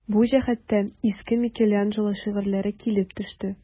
Бу җәһәттән искә Микеланджело шигырьләре килеп төште.